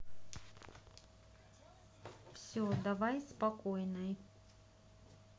все давай спокойной